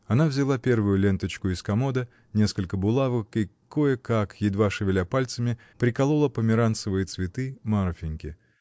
Она взяла первую ленточку из комода, несколько булавок и кое-как, едва шевеля пальцами, приколола померанцевые цветы Марфиньке.